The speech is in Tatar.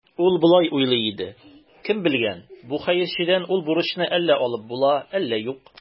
Ул болай уйлый иде: «Кем белгән, бу хәерчедән ул бурычны әллә алып була, әллә юк".